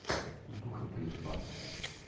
дура ты ебаная